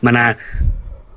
ma' 'na